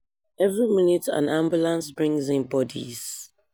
"Every minute an ambulance brings in bodies.